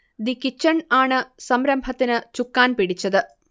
'the kitchen' ആണ് സംരംഭത്തിന് ചുക്കാൻ പിടിച്ചത്